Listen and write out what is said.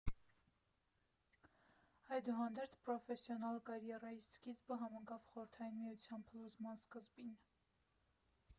Այդուհանդերձ պրոֆեսիոնալ կարիերայիս սկիզբը համընկավ Խորհրդային Միության փլուզման սկզբին։